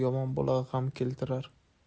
yomon bola g'am keltirar